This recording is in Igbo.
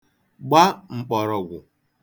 gba m̀kpọ̀rọ̀gwụ̀